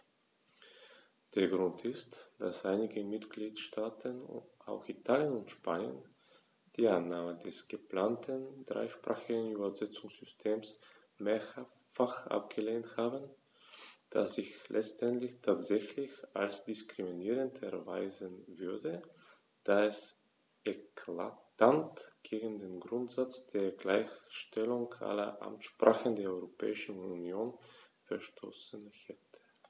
Der Grund ist, dass einige Mitgliedstaaten - auch Italien und Spanien - die Annahme des geplanten dreisprachigen Übersetzungssystems mehrfach abgelehnt haben, das sich letztendlich tatsächlich als diskriminierend erweisen würde, da es eklatant gegen den Grundsatz der Gleichstellung aller Amtssprachen der Europäischen Union verstoßen hätte.